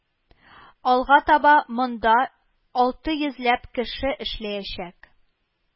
Алга таба монда алты йөзләп кеше эшләячәк